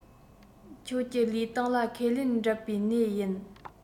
ཁྱེད ཀྱི ལུས སྟེང ལ ཁས ལེན འབྲད བའི གནས ཡིན